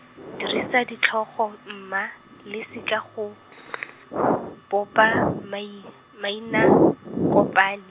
dirisa ditlhogo mma, le seka go , bopa, mai- mainakopani.